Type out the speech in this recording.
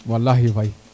walahi Faye